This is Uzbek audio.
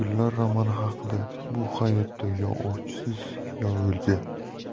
bu hayotda yo ovchisiz yo o'lja